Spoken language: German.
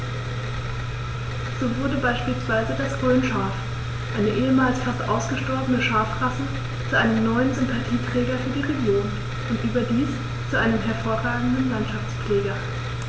So wurde beispielsweise das Rhönschaf, eine ehemals fast ausgestorbene Schafrasse, zu einem neuen Sympathieträger für die Region – und überdies zu einem hervorragenden Landschaftspfleger.